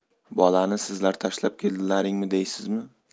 bolani sizlar tashlab keldilaringmi deysizmi